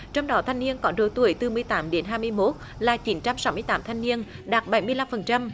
trong đó thanh niên có độ tuổi từ mười tám đến hai mươi mốt là chín trăm sáu mươi tám thanh niên đạt bảy mươi lăm phần trăm